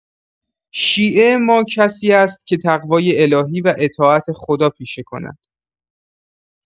شیعه ما کسی است که تقوای الهی و اطاعت خدا پیشه کند.